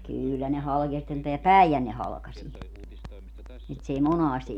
kyllä ne halkeaa ja sitten tämä Päijänne halkaisee niin että se ei monasti